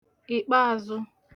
ìkpeazụ